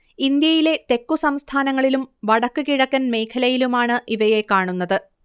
ഇന്ത്യയിലെ തെക്കുസംസ്ഥാനങ്ങളിലും വടക്ക് കിഴക്കൻ മേഖലയിലുമാണ് ഇവയെ കാണുന്നത്